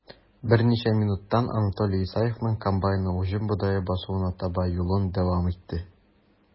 Берничә минуттан Анатолий Исаевның комбайны уҗым бодае басуына таба юлын дәвам итте.